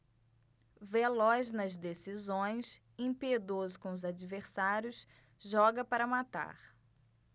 veloz nas decisões impiedoso com os adversários joga para matar